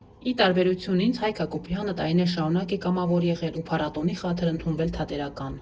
Ի տարբերություն ինձ՝ Հայկ Հակոբյանը տարիներ շարունակ է կամավոր եղել ու փառատոնի խաթր ընդունվել Թատերական։